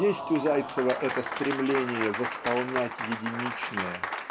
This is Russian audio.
Есть у Зайцева это стремление восполнять единичное